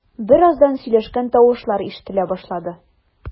Бераздан сөйләшкән тавышлар ишетелә башлады.